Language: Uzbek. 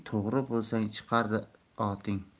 to'g'ri bo'lsang chiqadi oting